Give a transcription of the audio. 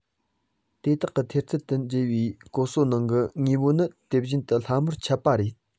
དེ དག གི ཐེར ཚལ དུ དབྲལ བའི ལྐོག གསོག ནང གི དངོས པོ ནི དེ བཞིན དུ སླ མོར ཁྱབ པ རེད